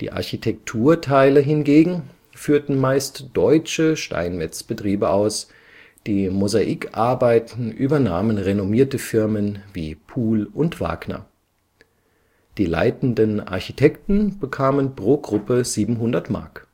Architekturteile hingegen führten meist deutsche Steinmetzbetriebe aus, die Mosaikarbeiten übernahmen renommierte Firmen wie Puhl & Wagner. Die leitenden Architekten bekamen pro Gruppe 700 Mark